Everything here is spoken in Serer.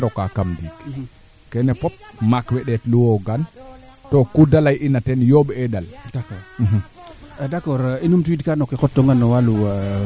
de mbooru kam laŋ ke arake yoq kam fee a yoqa laŋ wala maaga fok o jega nge maak waa tayleerna a mbaango saqn yit